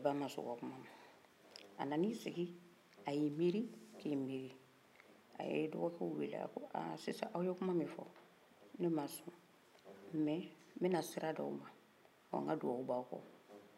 kɔrɔkɛ ba ma sɔn u ka kuma ma a nan'i sigin a ya miiri ka miiri a ye dɔgɔkɛw wele a ko sisan aw ye kuma min fɔ ne ma sɔn mais n bɛna sira d'aw ma wa n ka dugawu b'aw kɔ